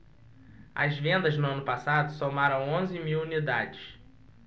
as vendas no ano passado somaram onze mil unidades